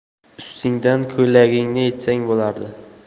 ustingdan ko'ylagingni yechsang bo'lardi